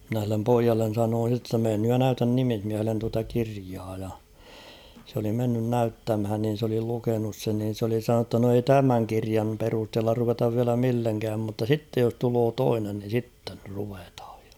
minä sille pojalle sanoin sitten jotta mene nyt ja näytä nimismiehelle tuota kirjaa ja se oli mennyt näyttämään niin se oli lukenut sen niin se oli sanonut jotta no ei tämän kirjan perusteella ruveta vielä millekään mutta sitten jos tulee toinen niin sitten ruvetaan ja